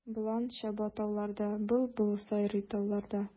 Болан чаба тауларда, былбыл сайрый талларда.